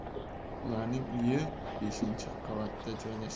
ularning uyi beshinchi qavatda joylashgan